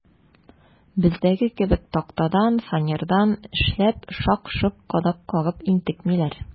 Бездәге кебек тактадан, фанерадан эшләп, шак-шок кадак кагып интекмиләр.